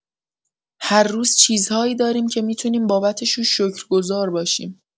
هر روز چیزهایی داریم که می‌تونیم بابتشون شکرگزار باشیم.